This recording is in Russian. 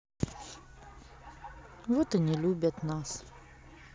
вот и не любят нас